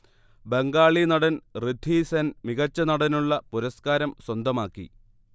ബംഗാളി നടൻ ഋഥീസെൻ മികച്ച നടനുള്ള പുരസ്ക്കാരം സ്വന്തമാക്കി